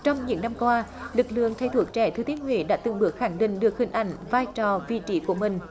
trong những năm qua lực lượng thầy thuốc trẻ thừa thiên huế đã từng bước khẳng định được hình ảnh vai trò vị trí của mình